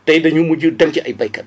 tey dañu mujj dem ci ay béykat